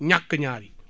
ñàkk ñaar yi